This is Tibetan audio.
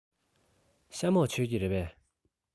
ཤ མོག མཆོད ཀྱི རེད པས